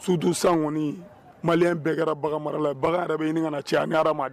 Su san mali bɛɛ kɛra mara la yɛrɛ bɛ ɲini ka cɛ ma